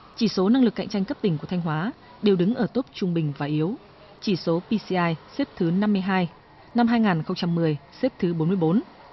chỉ số năng lực cạnh tranh cấp tỉnh của thanh hóa đều đứng ở tốp trung bình và yếu chỉ số pi si ai xếp thứ năm mươi hai năm hai ngàn không trăm mười xếp thứ bốn mươi bốn